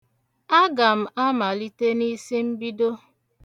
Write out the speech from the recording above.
Aga m amalite n'isimbido.